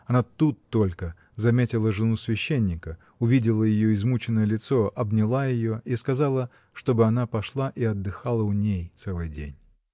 Она тут только заметила жену священника, увидела ее измученное лицо, обняла ее и сказала, чтобы она пошла и отдыхала у ней целый день.